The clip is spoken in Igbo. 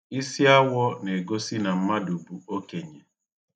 Isiawọ na-egosi na mmadụ bụ okenye.